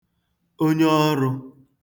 onyeọrụ̄